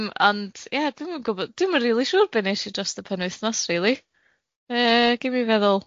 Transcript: Yym ond ie dwi'm yn gwbod dwi'm yn rili siŵr be nes i drost y penwysnos rili yy ga mi feddwl.